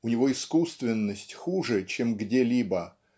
у него искусственность хуже чем где-либо